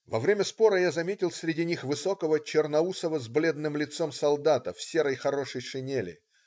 Во время спора я заметил среди них высокого, черноусого, с бледным лицом солдата, в серой, хорошей шинели.